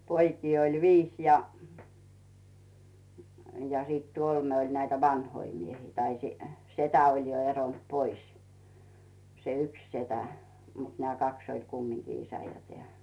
poikia oli viisi ja ja sitten kolme oli näitä vanhoja miehiä tai setä oli jo eronnut pois se yksi setä mutta nämä kaksi oli kumminkin isä ja tämä